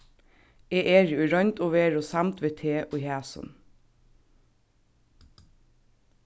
eg eri í roynd og veru samd við teg í hasum